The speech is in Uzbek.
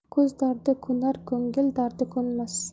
ko'z dardi ko'rinar ko'ngil dardi ko'rinmas